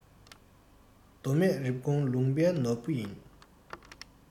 མདོ སྨད རེབ གོང ལུང པའི ནོར བུ ཡིན